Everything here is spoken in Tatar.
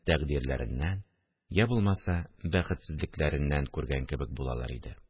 Тәкъдирләреннән йә булмаса бәхетсезлекләреннән күргән кебек булалар иде